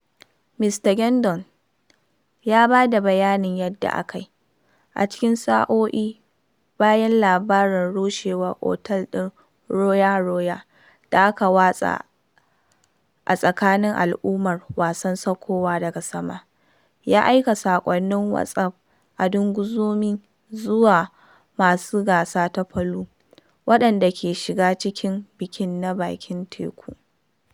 Mista Gendon ya ba da bayanin yadda aka yi, a cikin sa’o’i bayan labarin rushewar otel ɗin Roa Roa da aka watsa a tsakanin al’ummar wasan saukowa daga saman, ya aika sakonnin WhatsApp a dugunzume zuwa masu gasa ta Palu, waɗanda ke shiga cikin bikin na bakin tekun.